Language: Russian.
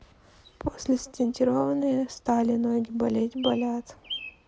после стентированные стали ноги болеть болят